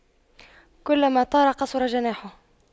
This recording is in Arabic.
كلما طار قص جناحه